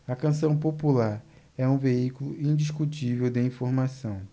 a canção popular é um veículo indiscutível de informação